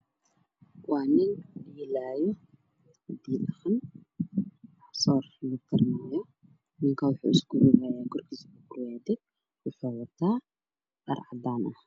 Waa nin dilayo cunug yar ninkaas wuxuu wataa uul yar oo uu ku garaacayo cunuga